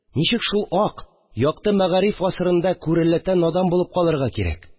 Ничек шул ак, якты мәгариф гасырында күрәләтә надан булып калырга кирәк